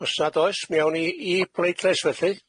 Os nad oes mi awn ni i pleidlais felly.